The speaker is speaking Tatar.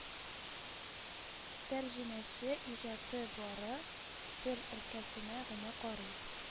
Тәрҗемәче иҗаты бары тел өлкәсенә генә карый